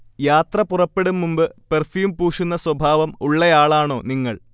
യാത്ര പുറപ്പെടും മുൻപ് പെർഫ്യൂം പൂശുന്ന സ്വഭാവം ഉള്ളയാളാണോ നിങ്ങൾ